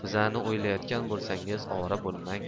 bizani o'ylayotgan bo'lsangiz ovora bo'lmang